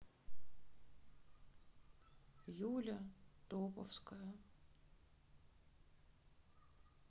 юля топовская